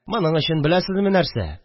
Моның өчен беләсезме нәрсә